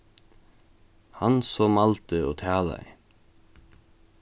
hann so mældi og talaði